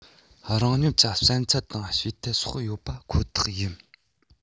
རང ཉིད ཀྱི བསམ ཚུལ དང བྱེད ཐབས སོགས ཡོད པ ཁོ ཐག ཡིན